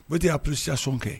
O de'a presiya sɔn kɛ